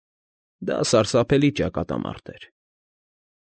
Դա սարսափելի ճակատամարտ էր։